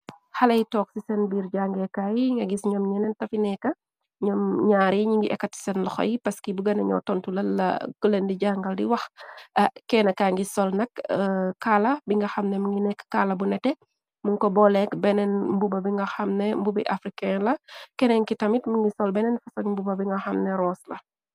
Xaley toog ci seen biir jangeekaa yi nga gis ñoom ñeneen tafineeka. Noom ñaare ñi ngi ekat ci seen loxo yi paski bu gëna ñoo tontu la. Kulendi jangal di wax kennka ngi sol nek. Kaala bi nga xamne mingi nekk kaala bu nete mun ko booleek benneen. Mbuba bi nga xamne mbubi afrikain la kenenki tamit. Mi ngi sol benneen fasak mbuba bi nga xamne ross la.